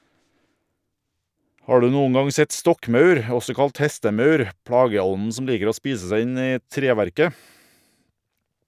Har du noen gang sett stokkmaur , også kalt hestemaur, plageånden som liker å spise seg inn i treverket?